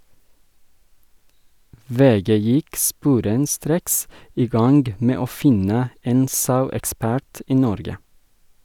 VG gikk sporenstreks i gang med å finne en sauekspert i Norge.